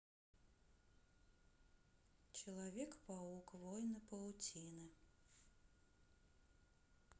человек паук войны паутины